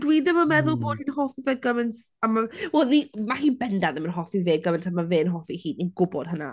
Dwi ddim yn meddwl bod hi'n hoffi fe gymaint â mae... wel ni... mae hi'n bendant ddim yn hoffi fe gymaint â mae fe'n hoffi hi, ni'n gwybod hynna.